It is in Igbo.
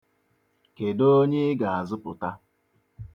Kedụ onye ị ga-azụpụta?